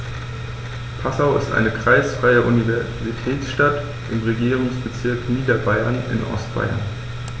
Passau ist eine kreisfreie Universitätsstadt im Regierungsbezirk Niederbayern in Ostbayern.